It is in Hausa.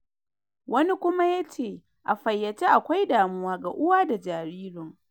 wani kuma yace: “A faiyace akwai damuwa ga uwa da jaririn.